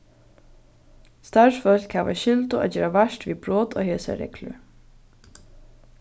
starvsfólk hava skyldu at gera vart við brot á hesar reglur